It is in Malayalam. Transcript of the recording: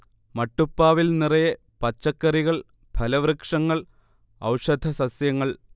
മട്ടുപ്പാവിൽ നിറയെ പച്ചക്കറികൾ, ഫലവൃക്ഷങ്ങൾ, ഔഷധ സസ്യങ്ങൾ